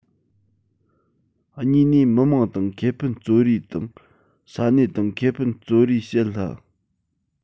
གཉིས ནས མི དམངས དང ཁེ ཕན རྩོད རེས དང ས གནས དང ཁེ ཕན རྩོད རེས བྱེད སླ